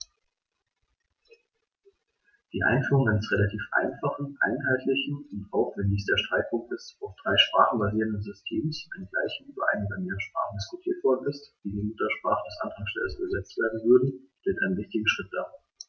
Die Einführung eines relativ einfachen, einheitlichen und - auch wenn dies der Streitpunkt ist - auf drei Sprachen basierenden Systems, wenngleich über eine oder mehrere Sprachen diskutiert worden ist, die in die Muttersprache des Antragstellers übersetzt werden würden, stellt einen wichtigen Schritt dar.